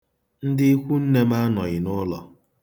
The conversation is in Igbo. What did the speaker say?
Ndị ikwunne m anọghị n'ụlọ.